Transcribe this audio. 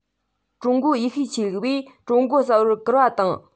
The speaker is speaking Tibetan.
ཀྲུང གོའི ཡེ ཤུ ཆོས ལུགས པས ཀྲུང གོ གསར པར བཀུར བ དང